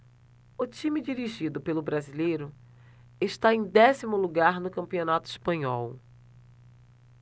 o time dirigido pelo brasileiro está em décimo lugar no campeonato espanhol